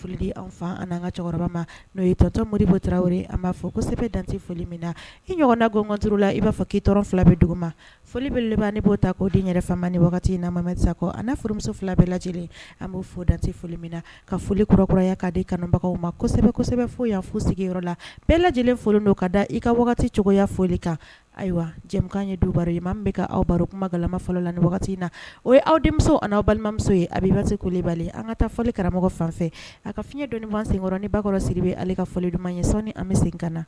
Antɔmoa fɔsɛbɛ dante foli na i ɲɔgɔn na gkauru la i b'a fɔ k kii fila bɛ dugu ma foli bɛele bɔo ta koden yɛrɛma ni wagati in namasa kɔ a fmuso fila bɛɛ lajɛ lajɛlen an b'o fɔ dan foli min na ka foli kɔrɔkuraya ka di kanubagaw ma kosɛbɛsɛbɛ foyi fo sigiyɔrɔ la bɛɛ lajɛ lajɛlen foli don ka da i ka cogoyaya foli kan ayiwa jɛkan ye duba ye ma bɛ ka aw baro kuma galama fɔlɔ la ni wagati in na o ye aw denmuso ani aw balimamuso ye a b se k ko bali an ka taa foli karamɔgɔ fan a ka fiɲɛdonfan senkɔrɔ ni bakɔrɔ sigi bɛ ale ka foli duman ma ɲɛ an bɛ sen ka na